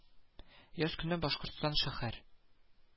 Яз көне башкортстан шәһәр